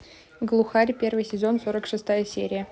глухарь первый сезон сорок шестая серия